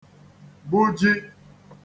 gbuji